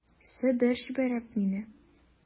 Себер җибәрә бу мине...